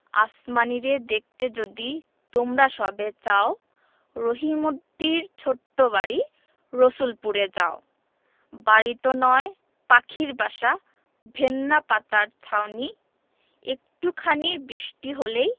আসমানীরে দেখতে যদি তোমরা সবে চাও রহিমদ্দির ছোট্ট বাড়ি রসুলপুরে যাও বাড়িতো নয় পাখির বাসা ভেন্না পাতার ছানি একটু খানি বৃষ্টি হলেই